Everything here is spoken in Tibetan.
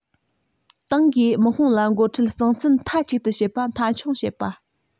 ཏང གིས དམག དཔུང ལ འགོ ཁྲིད གཙང བཙན མཐའ གཅིག ཏུ བྱེད པ མཐའ འཁྱོངས བྱེད པ